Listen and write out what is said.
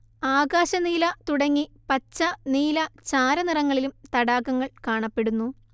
ആകാശനീല തുടങ്ങി പച്ച നീല ചാരനിറങ്ങളിലും തടാകങ്ങൾ കാണപ്പെടുന്നു